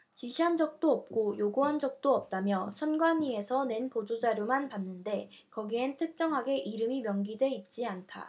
지시한 적도 없고 요구한 적도 없다며 선관위에서 낸 보도자료만 봤는데 거기엔 특정하게 이름이 명기돼 있지 않다